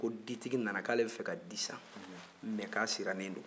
ko ditigi nana ko ale bɛ fɛ ka di san mɛ ko a sirannen don